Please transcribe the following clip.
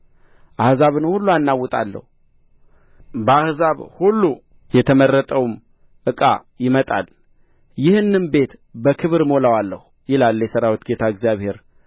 አሕዛብን ሁሉ አናውጣለሁ በአሕዛብ ሁሉ የተመረጠውም ዕቃ ይመጣል ይህንም ቤት በክብር እሞላዋለሁ ይላል የሠራዊት ጌታ እግዚአብሔር